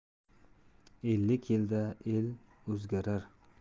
ellik yilda el o'zgarar